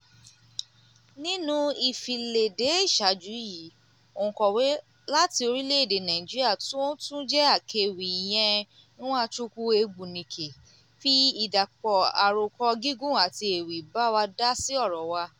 Nínú ìfiléde ìṣààjú yìí, òǹkọ̀wé láti orílẹ̀-èdè Nigeria tí ó tún jẹ́ akẹwì ìyẹn Nwachukwu Egbunike fi ìdàpọ̀ àròkọ-gígùn àti ewì bá wa dá sí ọ̀rọ̀ wa.